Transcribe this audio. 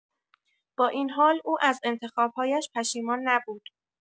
با این حال، او از انتخاب‌هایش پشیمان نبود.